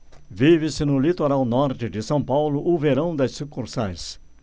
vive-se no litoral norte de são paulo o verão das sucursais